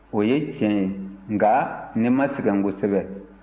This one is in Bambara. o ye tiɲɛ ye nka ne ma sɛgɛn kosɛbɛ